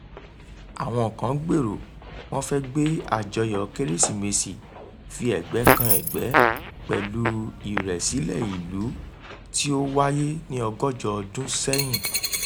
Àwọn kan gbèrò wọ́n fẹ́ gbé àjọyọ̀ Kérésìmesì fi ẹ̀gbẹ́ kan ẹ̀gbẹ́ pẹ̀lú ìrẹ̀sílẹ̀ ìlú tí ó wáyé ní ọgọ́jọ ọdún sẹ́yìn.